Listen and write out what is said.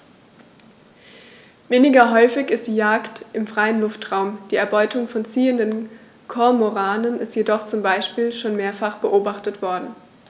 Weniger häufig ist die Jagd im freien Luftraum; die Erbeutung von ziehenden Kormoranen ist jedoch zum Beispiel schon mehrfach beobachtet worden.